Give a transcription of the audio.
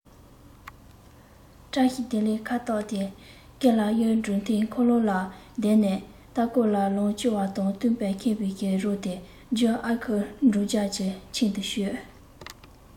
བཀྲ ཤེས བདེ ལེགས ཁ བཏགས དེ སྐེ ལ གཡོགས འདྲུད འཐེན འཁོར ལོ ལ བསྡད ནས ལྟ སྐོར ལ འོངས ལྕི བ དང སྟུག པས ཁེངས པའི རོལ དེ བརྒྱུད ཨ ཁུ འབྲུག རྒྱལ གྱི ཁྱིམ དུ བསྐྱོད